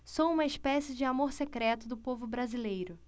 sou uma espécie de amor secreto do povo brasileiro